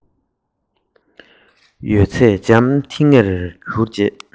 ཕྱི དྲོར ལྷས སུ འཇུག པའི དུས སུ